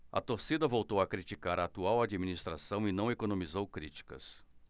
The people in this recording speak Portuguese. a torcida voltou a criticar a atual administração e não economizou críticas